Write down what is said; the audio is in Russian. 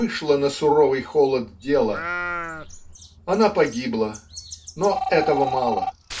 вышла на суровый холод дела. Она погибла. Но этого мало